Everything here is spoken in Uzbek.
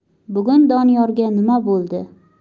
bugun doniyorga nima bo'ldi